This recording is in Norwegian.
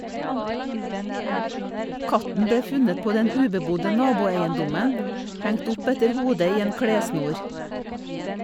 Katten ble funnet på den ubebodde naboeiendommen, hengt opp etter hodet i en klessnor.